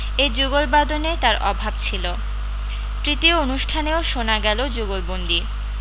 এই যুগলবাদনে তার অভাব ছিল তৃতীয় অনুষ্ঠানেও শোনা গেল যুগলবন্দি